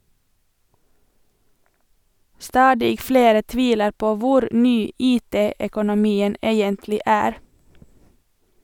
Stadig flere tviler på hvor "ny" IT-økonomien egentlig er.